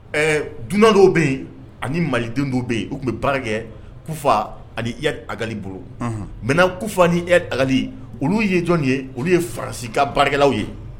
Ɛɛ dunan dɔw bɛ yen ani malidenw dɔw bɛ yen u tun bɛ baarakɛ kufa ani ɛ bolo mɛna kufa ni olu ye jɔn ye olu ye faransika baarakɛlawlaw ye